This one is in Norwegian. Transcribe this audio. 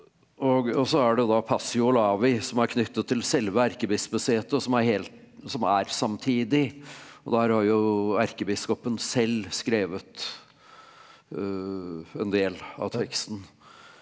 og og så er det da Passio Olavi som er knytta til selve erkebispesetet og som er helt som er samtidig, og der har jo erkebiskopen selv skrevet en del av teksten.